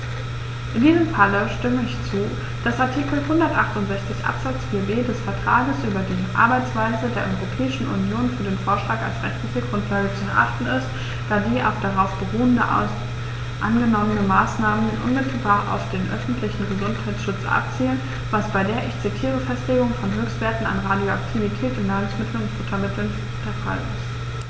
In diesem Fall stimme ich zu, dass Artikel 168 Absatz 4b des Vertrags über die Arbeitsweise der Europäischen Union für den Vorschlag als rechtliche Grundlage zu erachten ist, da die auf darauf beruhenden angenommenen Maßnahmen unmittelbar auf den öffentlichen Gesundheitsschutz abzielen, was bei der - ich zitiere - "Festlegung von Höchstwerten an Radioaktivität in Nahrungsmitteln und Futtermitteln" der Fall ist.